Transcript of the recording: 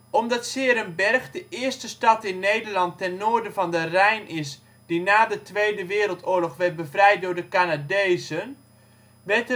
Omdat ' s-Heerenberg de eerste stad in Nederland ten noorden van de Rijn is die na de Tweede Wereldoorlog werd bevrijd door de Canadezen, werd